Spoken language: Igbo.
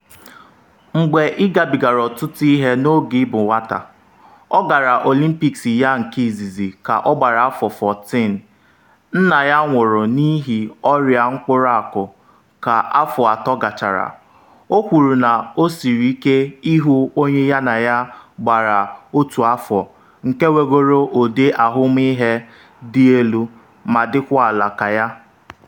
“Mgbe ịgabigara ọtụtụ ihe n’oge ịbụ nwata” - ọ gara Olympics ya nke izizi ka ọgbara afọ 14, nna ya nwụrụ n’ihi ọrịa mkpụrụ akụ ka afọ atọ gachara - o kwuru na o siri ike ịhụ onye ya na ya gbara otu afọ nke nwegoro ụdị ahụmihe dị elu ma dịkwa ala ka ya.